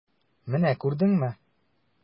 Менә күрдеңме?